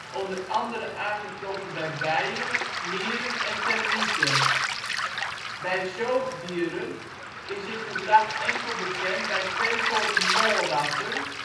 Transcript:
onder andere aangetroffen bij bijen, mieren en termieten. Bij zoogdieren is dit gedrag enkel bekend bij twee soorten molratten